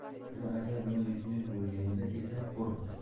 qizi ajal bilan yuzma yuz bo'lganida esa qo'rqdi